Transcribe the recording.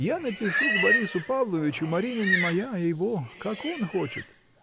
Я напишу к Борису Павловичу, Марина не моя, а его, — как он хочет.